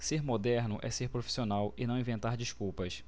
ser moderno é ser profissional e não inventar desculpas